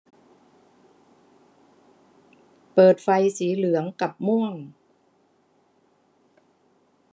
เปิดไฟสีเหลืองกับม่วง